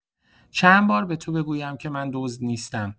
چند بار به تو بگویم که من دزد نیستم.